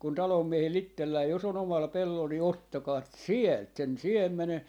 kun talonmiehellä itsellään jos on omalla pellolla niin ottakaa sieltä sen siemenen